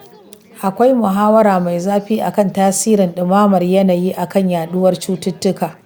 Akwai muhawara mai zafi a kan tasirin ɗumamar yanayi a kan yaɗuwar cututtuka.